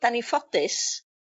'Dan ni ffodus...